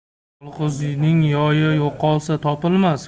yolg'izning yoyi yo'qolsa topilmas